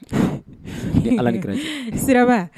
Ni Ala ni kira cɛ. Siraba.